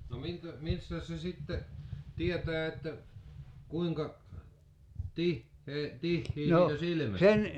no miltä mistäs se sitten tietää että kuinka tiheä tiheä siitä silmästä tulee